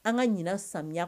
An ka ɲinan samiya